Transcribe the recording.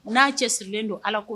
N'a cɛsirilen don Ala ko